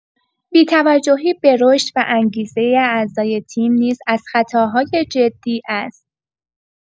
بی‌توجهی به رشد و انگیزه اعضای تیم نیز از خطاهای جدی است.